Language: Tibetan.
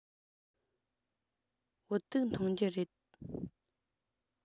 བོད ཐུག འཐུང རྒྱུ རེད